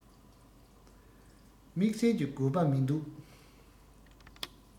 དམིགས བསལ གྱི དགོས པ མིན འདུག